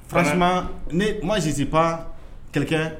Farasi ni ma zsi pan kɛlɛkɛ